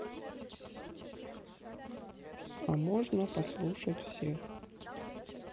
а можно послушать всех